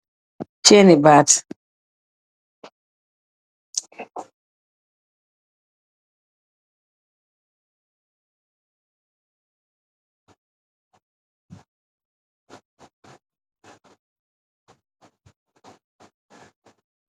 Chenni bat la